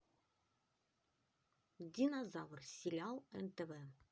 динозавр сериал нтв